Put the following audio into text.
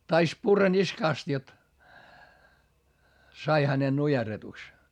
taisi purra niskasta jotta sai hänen nujerretuksi